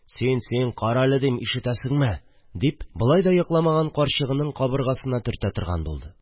– син, син, карале дим, ишетәсеңме? – дип, болай да йокламаган карчыгының кабыргасына төртә торган булды